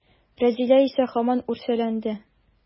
Рәзилә исә һаман үрсәләнде.